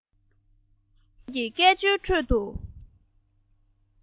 ངུ སྒྲ སོགས ཀྱི སྐད ཅོའི ཁྲོད དུ